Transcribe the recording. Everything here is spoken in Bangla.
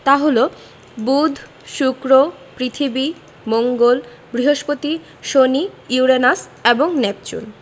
তা হলো বুধ শুক্র পৃথিবী মঙ্গল বৃহস্পতি শনি ইউরেনাস এবং নেপচুন